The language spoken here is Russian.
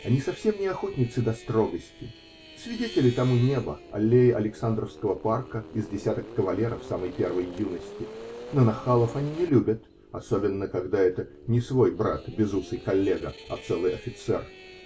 Они совсем не охотницы до строгости -- свидетели тому небо, аллеи Александровского парка и с десяток кавалеров самой первой юности, но нахалов они не любят, особенно когда это не свой брат безусый коллега, а целый офицер.